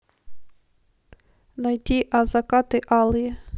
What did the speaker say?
найти а закаты алые